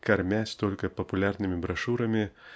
кормясь только популярными брошюрами